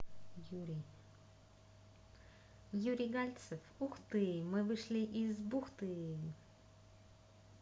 юрий гальцев ух ты мы вышли из бухты